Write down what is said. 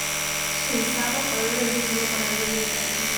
Shin sabon ƙwararren zai zama ƙwararre yadda ake so?